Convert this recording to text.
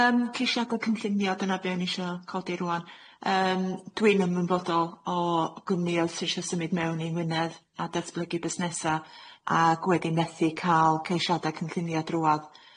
Yym ceisiade cynllunio dyna be' o'n i isio codi rŵan yym dwi'n ymwybodol o gwmnioedd y isio symud mewn i Wynedd a datblygu busnesa ag wedyn methu ca'l ceisiada cynllunia drwadd.